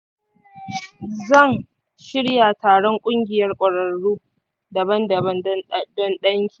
zan shirya taron ƙungiyar kwararru daban-daban don ɗan ki.